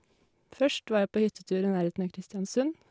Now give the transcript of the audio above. Først var jeg på hyttetur i nærheten av Kristiansund.